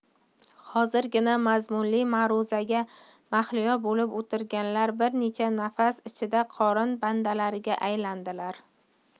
hozirgina mazmunli ma'ruzaga mahliyo bo'lib o'tirganlar bir necha nafas ichida qorin bandalariga aylandilar